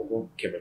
U k'u kɛlɛ